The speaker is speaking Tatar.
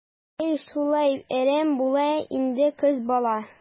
Әй, шулай әрәм була инде кыз бала.